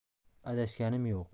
adashganimiz yo'q